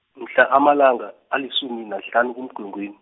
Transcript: mhla amalanga, alisumi nahlanu kuMgwengweni.